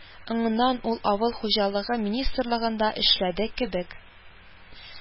Ңыннан ул авыл хуҗалыгы министрлыгында эшләде кебек